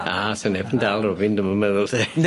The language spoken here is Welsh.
Na, sa neb 'di dal Robin, dwi'm yn meddwl 'lly.